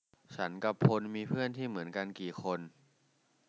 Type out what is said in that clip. ฉันกับพลมีเพื่อนที่เหมือนกันกี่คน